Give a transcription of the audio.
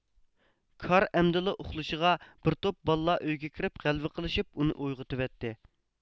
كار ئەمدىلا ئۇخلىشىغا بىر توپ بالىلار ئۆيگە كىرىپ غەلۋە قىلىشىپ ئۇنى ئويغىتۋەتتى